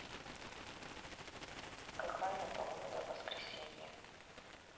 какая погода в воскресенье